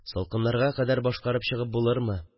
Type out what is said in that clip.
Салкыннарга кадәр башкарып чыгып булырмы